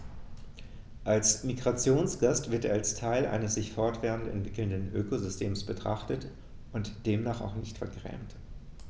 Als Migrationsgast wird er als Teil eines sich fortwährend entwickelnden Ökosystems betrachtet und demnach auch nicht vergrämt.